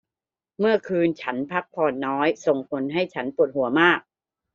เมื่อคืนฉันพักผ่อนน้อยส่งผลให้ฉันปวดหัวมาก